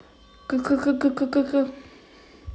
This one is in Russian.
к к к к к